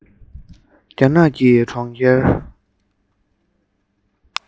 སྟབས བདེའི ཡོ བྱད